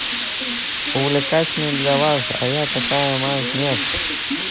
увлекательный для вас а для меня нет